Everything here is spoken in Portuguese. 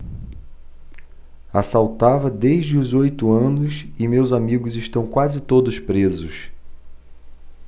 assaltava desde os oito anos e meus amigos estão quase todos presos